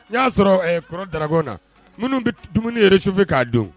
Ɲ'a sɔrɔ ɛ kɔrɔ Daragɔn na minnu be dumuni réchauffer k'a dun